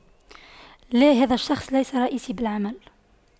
لا هذا الشخص ليس رئيسي بالعمل